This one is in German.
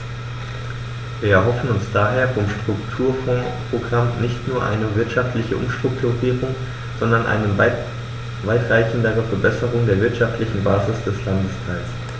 Wir erhoffen uns daher vom Strukturfondsprogramm nicht nur eine wirtschaftliche Umstrukturierung, sondern eine weitreichendere Verbesserung der wirtschaftlichen Basis des Landesteils.